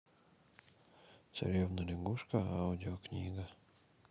царевна лягушка аудиокнига